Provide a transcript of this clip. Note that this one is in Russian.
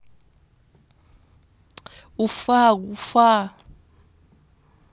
уфа уфа